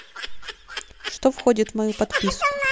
что входит в мою подписку